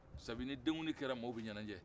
sabu ni denkuli kɛra maaw bɛ ɲɛnɛjɛ